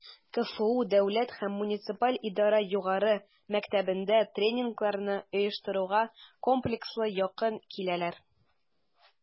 КФУ Дәүләт һәм муниципаль идарә югары мәктәбендә тренингларны оештыруга комплекслы якын киләләр: